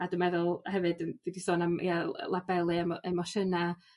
A dwi meddwl hefyd d- dwi 'di sôn am ie ly- labelu emo- emosiyna'